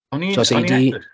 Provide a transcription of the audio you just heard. O'n i'n o'n i'n edrych.